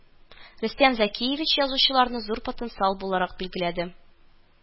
Рөстәм Зәкиевич язучыларны зур потенциал буларак билгеләде